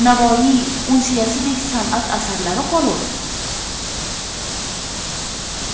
navoiy unsiyasidek san'at asarlari qolur